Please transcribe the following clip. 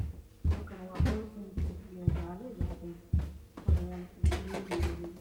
Halkan waa qolka midibkisa yahy jaalo io cadees wxaa yaalo fadhi garey io madow